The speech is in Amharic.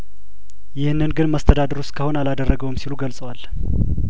ይህንን ግን መስተዳድሩ እስካሁን አላደረገውም ሲሉ ገልጸዋል